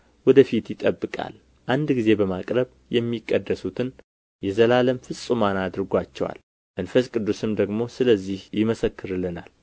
ወደ ፊት ይጠብቃል አንድ ጊዜ በማቅረብ የሚቀደሱትን የዘላለም ፍጹማን አድርጎአቸዋልና መንፈስ ቅዱስም ደግሞ ስለዚህ ይመሰክርልናል